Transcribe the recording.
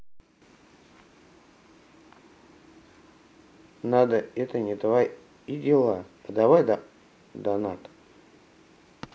надо это не твои дела а давай донать